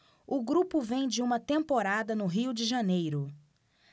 o grupo vem de uma temporada no rio de janeiro